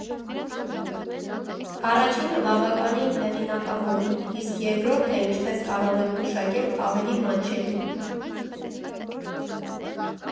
Առաջինը բավականին հեղինակավոր էր, իսկ երկրորդը, ինչպես կարող եք գուշակել, ավելի մատչելի»։